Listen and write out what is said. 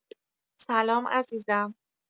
سلام عزیزم.